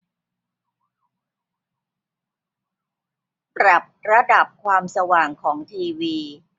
ปรับระดับระดับความสว่างของทีวี